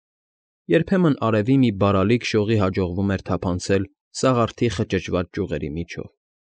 Երբեմն արևի մի բարալիկ շողի հաջողվում էր թափանցել սաղարթի խճճված ճյուղերի միջով։